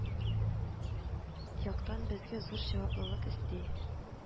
Яктан безгә зур җаваплылык өсти